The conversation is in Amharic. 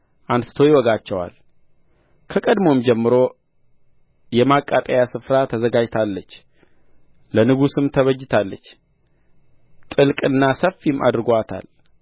አንሥቶ ይዋጋቸዋል ከቀድሞም ጀምሮ የማቃጠያ ስፍራ ተዘጋጅታለች ለንጉሥም ተበጅታለች ጥልቅና ሰፊም አድርጎአታል